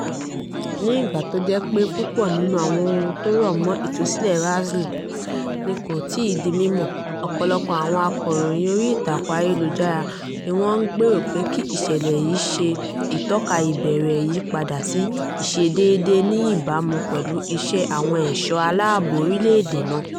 Ní ìgbà tí ó jẹ́ pé púpọ̀ nínú àwọn ohun tó rọ̀ mọ́ ìtúsílẹ̀ Razily ni kò tíì di mímọ̀, ọ̀pọ̀lọpọ̀ àwọn akọ̀ròyìn orí ìtàkùn ayélujára ni wọ́n gbèrò pé kí ìṣẹ̀lẹ̀ yìí ṣe ìtọ́ka ìbẹ̀rẹ̀ ìpadà sí ìṣe déédé ní ìbámu pẹ̀lú ìṣe àwọn ẹ̀ṣọ́ aláàbò orílẹ̀ èdè náà.